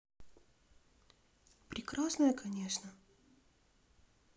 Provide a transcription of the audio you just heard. прекрасная конечно